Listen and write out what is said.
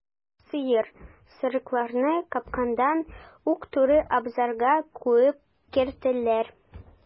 Сыер, сарыкларны капкадан ук туры абзарга куып керттеләр.